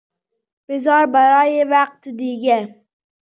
بذار برای یه وقت دیگه.